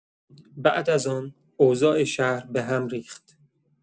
بعد از آن، اوضاع شهر به‌هم ریخت.